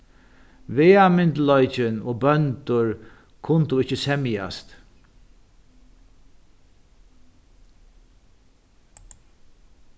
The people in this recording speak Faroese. vegamyndugleikin og bøndur kundu ikki semjast